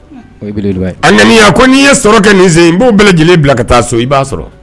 O ye belebeleba ye a ŋaniya ko n'in ye sɔrɔ kɛ nin sen in n 'b'o' bɛɛ lajɛlen bila ka taa so i b'a sɔrɔ